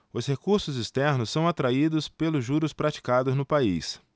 os recursos externos são atraídos pelos juros praticados no país